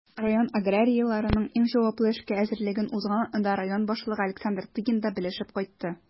Район аграрийларының иң җаваплы эшкә әзерлеген узган атнада район башлыгы Александр Тыгин да белешеп кайтты.